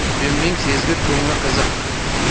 oyimning sezgir ko'ngli qiziq